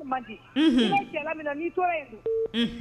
Furu man di, e bɛ cɛla min na n'i t'o ye dun.